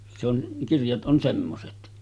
se on kirjat on semmoiset